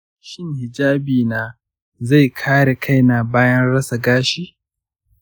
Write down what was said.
shin hijabi na zai kare kaina bayan rasa gashi?